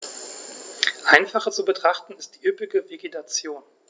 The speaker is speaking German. Einfacher zu betrachten ist die üppige Vegetation.